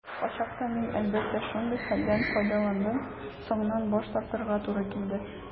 Кайчакта мин, әлбәттә, шундый хәлдән файдаландым - соңыннан баш тартырга туры килде.